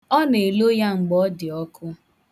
Ọ na-elo ya mgbe ọ dị ọkụ.